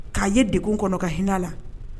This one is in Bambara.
' ye deko kɔnɔ ka hinɛ la